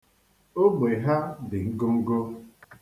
Ogbe ha dị ngongo.